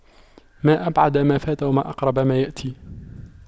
ما أبعد ما فات وما أقرب ما يأتي